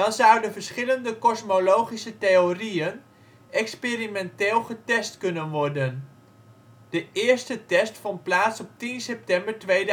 zouden verschillende kosmologische theorieën experimenteel getest kunnen worden (de eerste test vond plaats op 10 september 2008